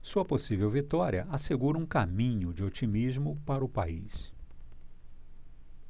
sua possível vitória assegura um caminho de otimismo para o país